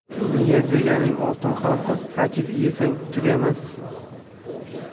yer deganing oltin qoziq g'ajib yesang tugamas